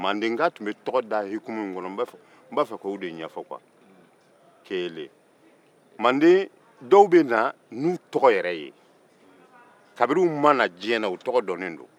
maandenka tun bɛ tɔgɔ da hukumu min kɔnɔ n b'a fɛ k'o de ɲɛfɔ kuwa kelen manden dɔw bɛ na n'u tɔgɔ yɛrɛ ye kabini u ma na diɲɛ na u tɔgɔ donnen don